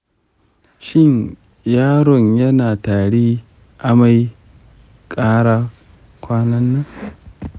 shin yaron yana tari mai ƙara kwanan nan?